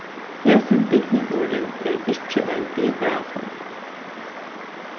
hesin bygningurin er ikki ein biografur